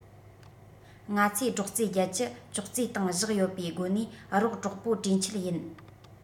ང ཚོས སྒྲོག ཙེ བརྒྱད བཅུ ཅོག ཙེའི སྟེང བཞག ཡོད པའི སྒོ ནས རོགས གྲོགས པོ གྲོས མཆེད ཡིན